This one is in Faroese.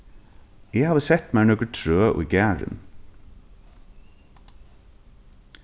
eg havi sett mær nøkur trø í garðin